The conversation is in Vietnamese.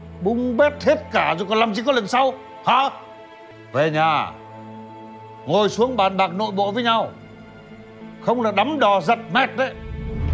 bung bét hết cả rồi làm gì có lần sau hả về nhà ngồi xuống bàn bạc nội bộ với nhau không là đắm đò giật mẹt đấy